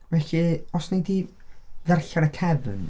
Felly, os wnei di ddarllen y cefn.